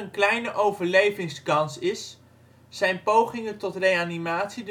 kleine overlevingskans is, zijn pogingen tot reanimatie